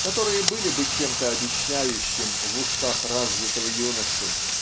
которые были бы чем-то обещающим в устах развитого юноши